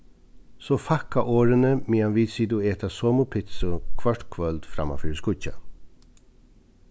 so fækka orðini meðan vit sita og eta somu pitsu hvørt kvøld framman fyri skíggjan